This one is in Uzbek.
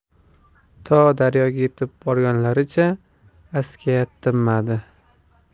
to daryoga yetib borgunlaricha askiya tinmadi